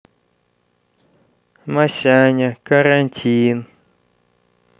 масяня карантин